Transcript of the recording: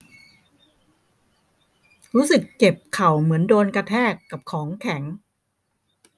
รู้สึกเจ็บเข่าเหมือนโดนกระแทกกับของแข็ง